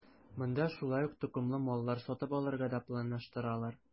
Монда шулай ук токымлы маллар сатып алырга да планлаштыралар.